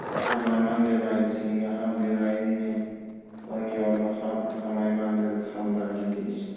qamayman demayde senga ham berayinme doniyorni ham qamayman dedi hamdam jiddiy tusda